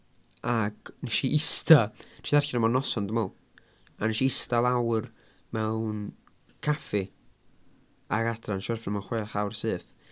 ac wnes i ishte, wnes i ddarllen o mewn noson dwi'n meddwl a wnes i ishte lawr mewn caffi ac adra a wnes i orffen o mewn chwech awr syth.